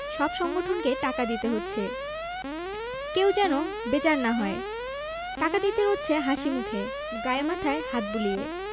সব সংগঠনকে টাকা দিতে হচ্ছে কেউ যেন বেজার না হয় টাকা দিতে হচ্ছে হাসিমুখে গায়ে মাথায় হাত বুলিয়ে